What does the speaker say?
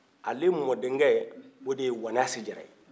ale mɔdenkɛ o de ye wanasi jara ye